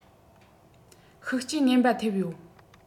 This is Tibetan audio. ཤུགས རྐྱེན ངན པ ཐེབས ཡོད